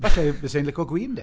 Falle basai hi'n lico gwin, de?